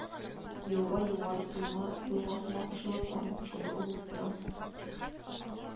Елга Югары Тойма елгасына кушылып, аның кушылдыгы булып тора